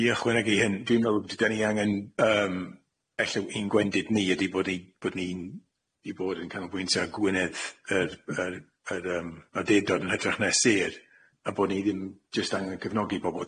I ychwanegu hyn dwi'n me'wl dydan ni angen yym ella w- un gwendid ni ydi bod ni bod ni'n i bod yn canolbwyntio ar Gwynedd yr yr yr yym adedod yn hytrach na'r sir a bo' ni ddim jyst angen cefnogi bobol.